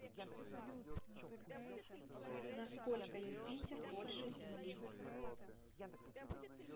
на сколько юпитер больше земли